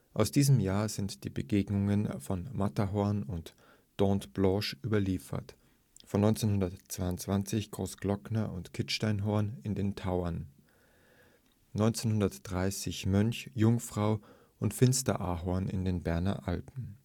Aus jenem Jahr sind die Besteigungen von Matterhorn und Dent Blanche überliefert, von 1922 Großglockner und Kitzsteinhorn in den Tauern, 1930 Mönch, Jungfrau und Finsteraarhorn in den Berner Alpen